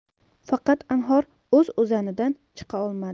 faqat anhor o'z o'zanidan chiqolmadi